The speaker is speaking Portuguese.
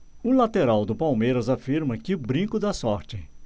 o lateral do palmeiras afirma que o brinco dá sorte